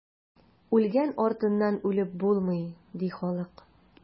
Үлгән артыннан үлеп булмый, ди халык.